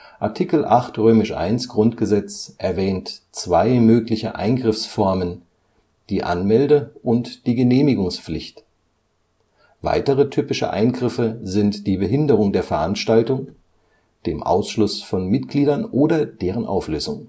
Art. 8 I GG erwähnt zwei mögliche Eingriffsformen, die Anmelde - und die Genehmigungspflicht. Weitere typische Eingriffe sind die Behinderung der Veranstaltung, dem Ausschluss von Mitgliedern oder deren Auflösung